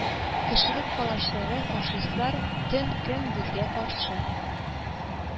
Кешелек палачлары – фашистлар – төн-көн безгә каршы